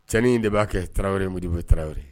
Cɛnɲɛn in de b'a kɛ tarawelere mu de ye taraweley ye